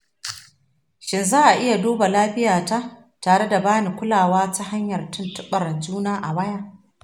shin za a iya duba lafiyata tare da ba ni kulawa ta hanyar tuntuɓar juna a waya?